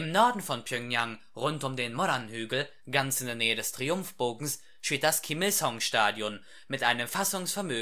Norden von Pjöngjang, rund um den Moran-Hügel, ganz in der Nähe des Triumphbogens, steht das Kim Il-sung Stadion mit einem Fassungsvermögen